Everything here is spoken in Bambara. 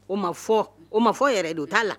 O ma fɔ o ma fɔ yɛrɛ don t'a la